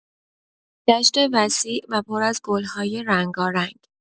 دشت وسیع و پر از گل‌های رنگارنگ